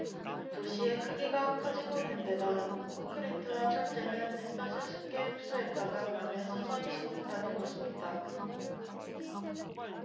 도시의 크기가 커지고 있는 데다 콘크리트와 철재는 햇볕을 쉽게 흡수했다가 밤에 서서히 식는다는 것입니다